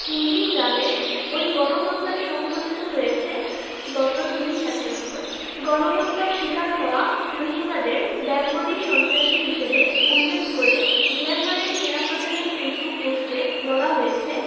গ্রামের ওই গণহত্যা সংঘটিত হয়েছে গত ২ সেপ্টেম্বর গণহত্যার শিকার হওয়া রোহিঙ্গাদের বেঙ্গলি সন্ত্রাসী হিসেবে উল্লেখ করে মিয়ানমারের সেনাপ্রধানের ফেসবুক পোস্টে বলা হয়েছে